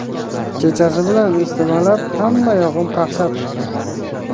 kechasi bilan isitmalab hammayog'im qaqshab chiqdi